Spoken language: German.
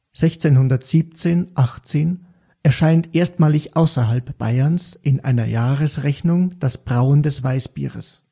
1617/1618 erscheint erstmalig außerhalb Bayerns in einer Jahresrechnung das Brauen des Weißbieres. Dies